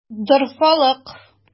Дорфалык!